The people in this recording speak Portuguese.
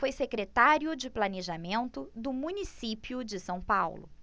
foi secretário de planejamento do município de são paulo